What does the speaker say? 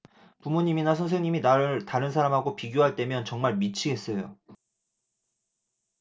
부모님이나 선생님이 나를 다른 사람하고 비교할 때면 정말 미치겠어요